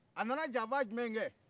a nana janfa jumɛn kɛ